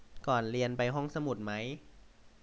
ก่อนเรียนไปห้องสมุดมั้ย